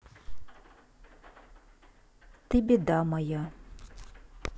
ты беда моя